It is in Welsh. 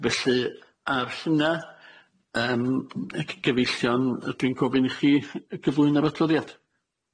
Felly, ar hynna yym g- g- c- gyfeillion y dwi'n gofyn i chi gyflwyno'r adroddiad.